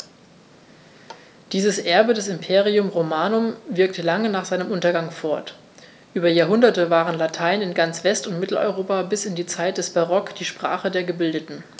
Dieses Erbe des Imperium Romanum wirkte lange nach seinem Untergang fort: Über Jahrhunderte war Latein in ganz West- und Mitteleuropa bis in die Zeit des Barock die Sprache der Gebildeten.